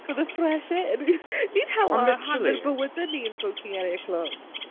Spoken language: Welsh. For the fresh air! N- Ni'n hala hanner... literally ...bywydau ni yn y smoking area clwb.